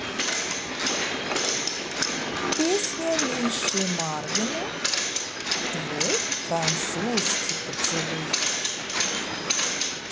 песня миши марвина твой французский поцелуй